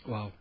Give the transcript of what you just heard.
waaw